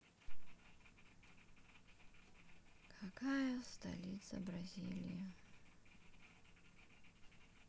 какая столица бразилии